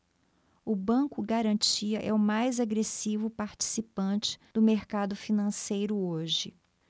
o banco garantia é o mais agressivo participante do mercado financeiro hoje